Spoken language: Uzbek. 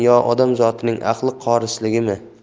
yo odam zotining aqli qosirligimi